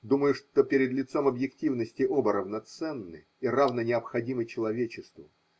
Думаю, что перед лицом объективности оба равноценны и равно необходимы человечеству.